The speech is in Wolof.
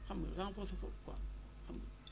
xam nga renforcer foofu quoi xam nga